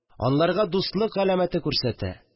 Анларга дустлык галәмәте күрсәтә